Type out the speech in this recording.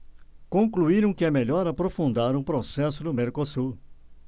concluíram que é melhor aprofundar o processo do mercosul